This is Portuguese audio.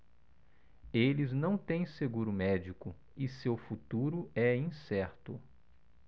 eles não têm seguro médico e seu futuro é incerto